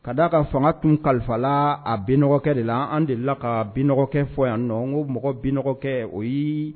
Ka d' a ka fanga tun kalifala a binɔgɔ kɛ de la an delil la la ka binɔgɔ kɛ fɔ yan nin nɔ n ko mɔgɔ binɔgɔkɛ o ye